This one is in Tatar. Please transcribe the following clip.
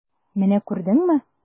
Менә күрдеңме?